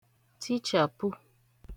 tichàpụ